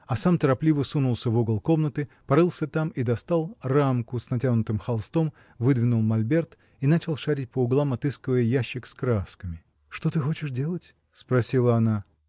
А сам торопливо сунулся в угол комнаты, порылся там и достал рамку с натянутым холстом, выдвинул мольберт и начал шарить по углам, отыскивая ящик с красками. — Что ты хочешь делать? — спросила она.